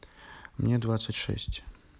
мне двадцать шесть